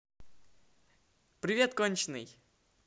привет конченный